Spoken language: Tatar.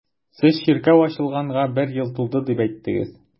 Сез чиркәү ачылганга бер ел тулды дип әйттегез.